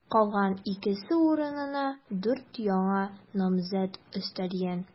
Калган икесе урынына дүрт яңа намзәт өстәлгән.